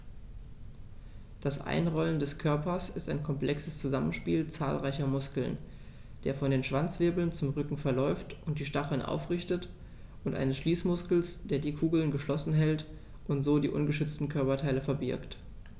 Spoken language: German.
Das Einrollen des Körpers ist ein komplexes Zusammenspiel zahlreicher Muskeln, der von den Schwanzwirbeln zum Rücken verläuft und die Stacheln aufrichtet, und eines Schließmuskels, der die Kugel geschlossen hält und so die ungeschützten Körperteile verbirgt.